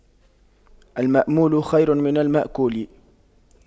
المأمول خير من المأكول